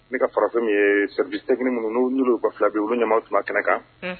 Ne ka farafin min ye sɛ segini ninnu n'u'olu ka fila bi olu ɲa tuma kɛnɛ kan